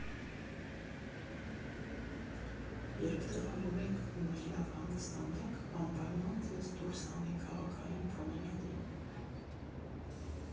Երբ տեղավորվեք ու մի լավ հանգստանաք, անպայման ձեզ դուրս հանեք քաղաքային պրոմենադի։